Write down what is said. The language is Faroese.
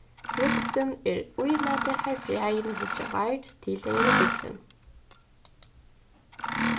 fruktin er ílatið har fræini liggja vard til tey eru búgvin